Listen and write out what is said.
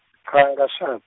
cha angikashad-.